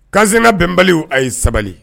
Kan senina bɛnbali a ye sabali